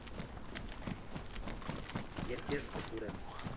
Երբ ես տխուր եմ։